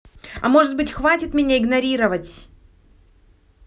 а может быть хватит меня игнорировать